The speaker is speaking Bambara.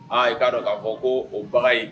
Aa i k'a dɔn k'a fɔ ko o baga ye